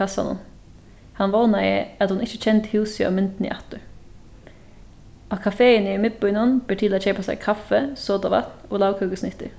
kassanum hann vónaði at hon ikki kendi húsið á myndini aftur á kafeini í miðbýnum ber til at keypa sær kaffi sodavatn og lagkøkusnittur